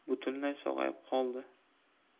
butunlay sog'ayib qoldi